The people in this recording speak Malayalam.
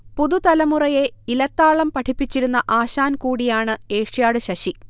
പുതുതലമുറയെ ഇലത്താളം പഠിപ്പിച്ചിരുന്ന ആശാൻ കൂടിയാണ് ഏഷ്യാഡ് ശശി